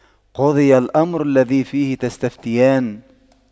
قُضِيَ الأَمرُ الَّذِي فِيهِ تَستَفِتيَانِ